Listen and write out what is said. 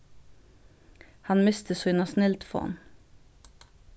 hann misti sína snildfon